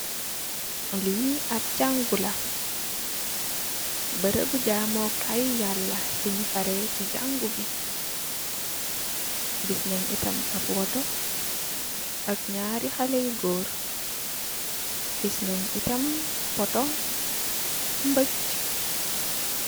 Li ap jangu la, barabu jàmóó Kai yalla ci ñi fareh ci jangu bi. Gis nen itam ay Otto ak ñaari kalee gór, gis nen itam Otto mbaj.